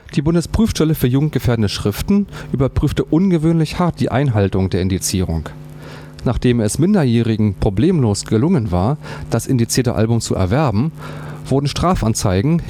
Die Bundesprüfstelle für jugendgefährdende Schriften überprüfte ungewöhnlich hart die Einhaltung der Indizierung. Nachdem es Minderjährigen problemlos gelungen war, das indizierte Album zu erwerben, wurden Strafverfahren